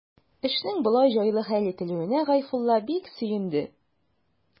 Эшнең болай җайлы хәл ителүенә Гайфулла бик сөенде.